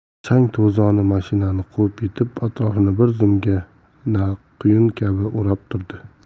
chang to'zoni mashinani quvib yetib atrofini bir zumgina quyun kabi o'rab turdi